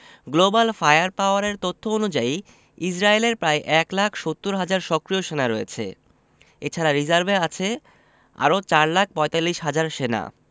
global fire পাওয়ারের তথ্য অনুযায়ী ইসরায়েলের প্রায় ১ লাখ ৭০ হাজার সক্রিয় সেনা রয়েছে এ ছাড়া রিজার্ভে আছে আরও ৪ লাখ ৪৫ হাজার সেনা